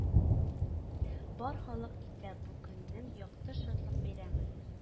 Бар халык итә бу көннең якты шатлык бәйрәмен,